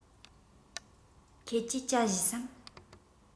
ཁྱེད ཀྱིས ཇ བཞེས སམ